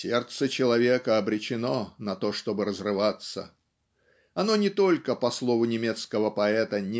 Сердце человека обречено на то, чтобы разрываться. Оно не только по слову немецкого поэта